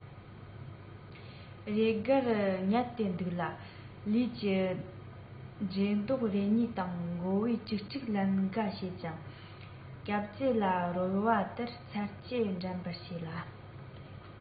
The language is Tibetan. རེ འགར ཉལ ཏེ འདུག ལ ལུས ཀྱི འགྲེ ལྡོག རེ གཉིས དང མགོ བོས དཀྲུག དཀྲུག ལན འགའ བྱེད ཅིང གབ རྩེད ལ རོལ བ ལྟར འཚར སྐྱེད འགྲན པར བྱེད ལ